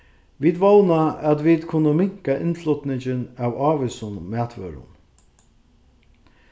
vit vóna at vit kunnu minka innflutningin av ávísum matvørum